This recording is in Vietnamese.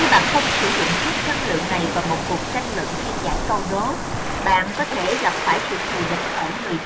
nếu bạn không sử dụng hết năng lượng này vào trong một cuộc tranh luận hay giải câu đố bạn có thể gặp phải sự thù địch ở người khác